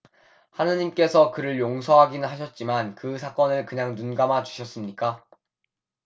하느님께서 그를 용서하기는 하셨지만 그 사건을 그냥 눈감아 주셨습니까